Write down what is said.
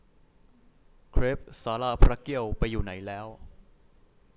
เครปศาลาพระเกี้ยวไปอยู่ไหนแล้ว